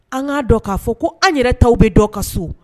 An k'a dɔn k'a fɔ ko an yɛrɛ ta bɛ dɔn ka so